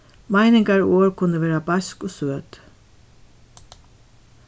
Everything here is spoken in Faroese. meiningar og orð kunna vera beisk og søt